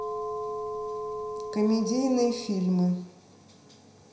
комедийные фильмы